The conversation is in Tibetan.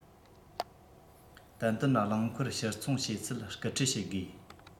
ཏན ཏན རླངས འཁོར ཕྱིར ཚོང བྱེད ཚད སྐུལ ཁྲིད བྱ དགོས